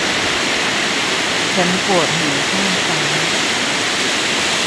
ฉันปวดหูข้างซ้าย